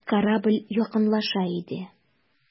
Корабль якынлаша иде.